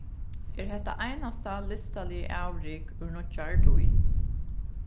er hetta einasta listaliga avrik úr nýggjari tíð